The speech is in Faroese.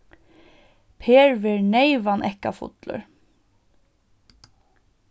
per verður neyvan ekkafullur